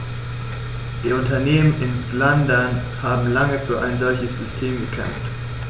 Die Unternehmen in Flandern haben lange für ein solches System gekämpft.